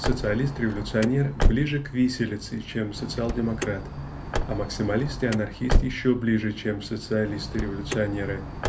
социалист-революционер ближе к виселице чем социал-демократ а максималист и анархист еще ближе чем социалисты-революционеры.